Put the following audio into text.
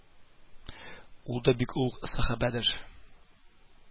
Ул да бик олуг сахабәдер